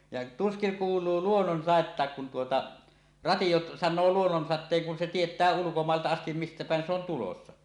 ja tuskin kuuluu luonnonsadettakaan kun tuota radio sanoo luonnonsateen kun se tietää ulkomailta asti mistä päin se on tulossa